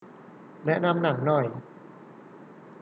แนะนำหนังหน่อย